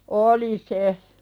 oli se